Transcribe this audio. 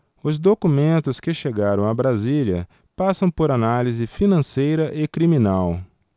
os documentos que chegaram a brasília passam por análise financeira e criminal